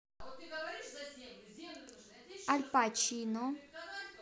аль пачино